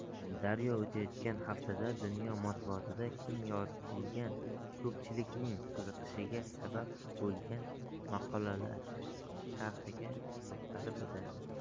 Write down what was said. daryo o'tayotgan haftada dunyo matbuotida keng yoritilgan ko'pchilikning qiziqishiga sabab bo'lgan maqolalar sharhiga to'xtalib o'tadi